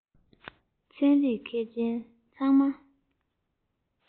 ཚན རིག མཁས ཅན ཚང མ